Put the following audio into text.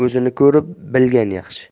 o'zini ko'rib bilgan yaxshi